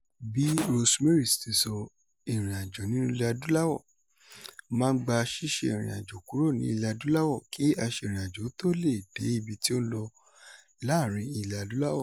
Bí Rosemary ti sọ, ìrìnàjò nínúu ilẹ̀-adúláwọ̀ máa ń gba ṣíṣèrìnàjò kúrò ní ilẹ̀-adúláwọ̀ kí aṣèrìnàjò ó tó le è dé ibi tí ó ń lọ ní àárín Ilẹ̀-adúláwọ̀.